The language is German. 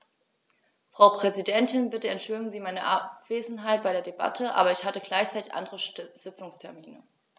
Frau Präsidentin, bitte entschuldigen Sie meine Abwesenheit bei der Debatte, aber ich hatte gleichzeitig andere Sitzungstermine.